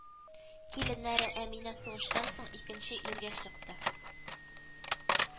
Киленнәре Әминә сугыштан соң икенче иргә чыкты